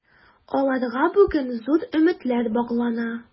Аларга бүген зур өметләр баглана.